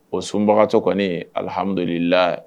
O sunbagatɔ kɔni alihamlila